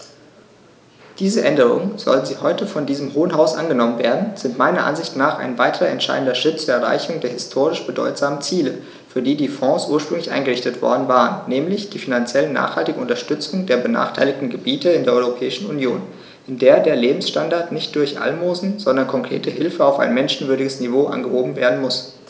Diese Änderungen, sollten sie heute von diesem Hohen Haus angenommen werden, sind meiner Ansicht nach ein weiterer entscheidender Schritt zur Erreichung der historisch bedeutsamen Ziele, für die die Fonds ursprünglich eingerichtet worden waren, nämlich die finanziell nachhaltige Unterstützung der benachteiligten Gebiete in der Europäischen Union, in der der Lebensstandard nicht durch Almosen, sondern konkrete Hilfe auf ein menschenwürdiges Niveau angehoben werden muss.